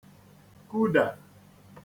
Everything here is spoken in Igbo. -kudà